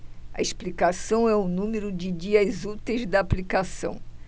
a explicação é o número de dias úteis da aplicação